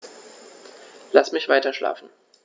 Lass mich weiterschlafen.